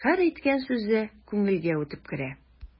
Һәр әйткән сүзе күңелгә үтеп керә.